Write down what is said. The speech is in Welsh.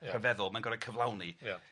Ia. Rhyfeddol, mae'n gor'o' cyflawni. Ia.